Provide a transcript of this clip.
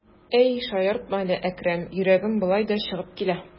Әй, шаяртма әле, Әкрәм, йөрәгем болай да чыгып килә.